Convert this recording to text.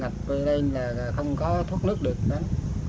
ngập lên là là không có thoát nước được đó